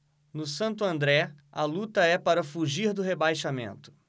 no santo andré a luta é para fugir do rebaixamento